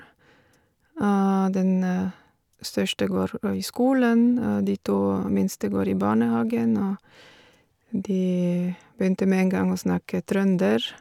Den største går i skolen, og de to minste går i barnehagen, og de begynte med en gang å snakke trønder.